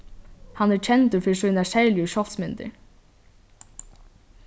hann er kendur fyri sínar serligu sjálvsmyndir